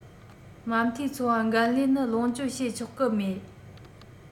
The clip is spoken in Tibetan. མ མཐའི འཚོ བ འགན ལེན ནི ལོངས སྤྱོད བྱེད ཆོག གི མེད